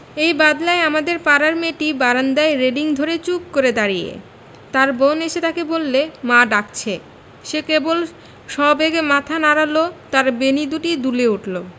এই বাদলায় আমাদের পাড়ার মেয়েটি বারান্দায় রেলিঙ ধরে চুপ করে দাঁড়িয়ে তার বোন এসে তাকে বললে মা ডাকছে সে কেবল সবেগে মাথা নাড়ল তার বেণী দুটি দুলে উঠল